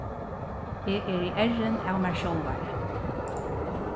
eg eri errin av mær sjálvari